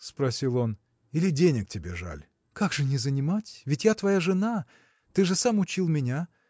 – спросил он, – или денег тебе жаль? – Как же не занимать? Ведь я твоя жена! Ты же сам учил меня.